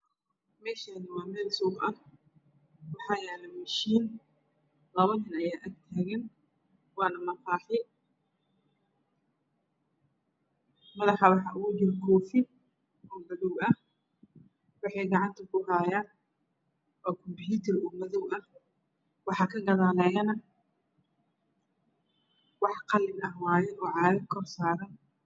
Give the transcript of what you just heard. Meshani waa meel suuq ah waxa yalo mashiin labo bulacad biyo ah wana maqaaxi madaxa waxa ugu jiro koofi madow ah waxay gacanta ku hayan kombuter madow ah waxa ka gadaleyana waa wax qalin ah oo cagad kor saaran